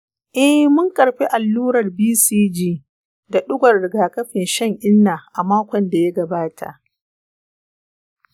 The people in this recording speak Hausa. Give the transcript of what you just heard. eh, mun karɓi allurar bcg da ɗigon rigakafin shan inna a makon da ya gabata.